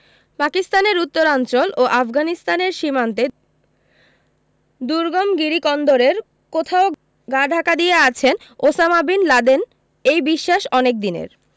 পাকিস্তানের উত্তরাঞ্চল ও আফগানিস্তানের সীমান্তে দুর্গম গিরিকন্দরের কোথাও গা ঢাকা দিয়ে আছেন ওসামা বিন লাদেন এই বিশ্বাস অনেকদিনের